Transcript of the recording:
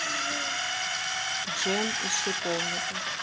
джем из шиповника